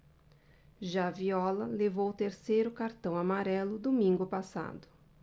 já viola levou o terceiro cartão amarelo domingo passado